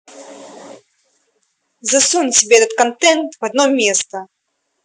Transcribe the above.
засунь себе этот контент в одно место